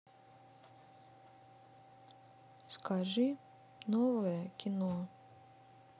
скажи новое кино